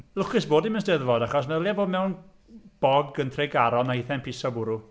Lwcus bod hi ddim yn Steddfod achos meddylia bod mewn bog yn Tregaron a hithau'n piso bwrw.